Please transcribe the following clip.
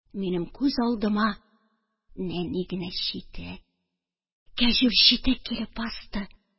Минем күз алдыма нәни генә читек, кәҗүл читек килеп басты